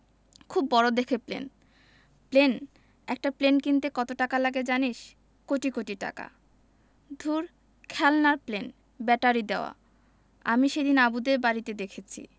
খুব বড় দেখে প্লেন প্লেন একটা প্লেন কিনতে কত টাকা লাগে জানিস কোটি কোটি টাকা দূর খেলনার প্লেন ব্যাটারি দেয়া আমি সেদিন আবুদের বাড়িতে দেখেছি